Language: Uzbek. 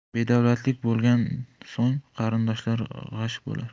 bedavlatlik bo'lgan so'ng qarindoshlar g'ash bo'lar